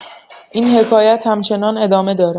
این حکایت هم‌چنان ادامه دارد.